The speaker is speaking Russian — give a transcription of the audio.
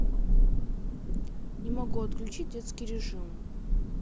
не могу отключить детский режим